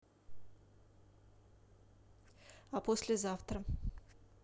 а послезавтра